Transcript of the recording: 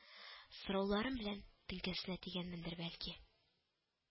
Сорауларым белән теңкәсенә тигәнмендер бәлки